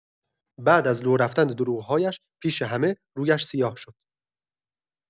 بعد از لو رفتن دروغ‌هایش، پیش همه رویش سیاه شد.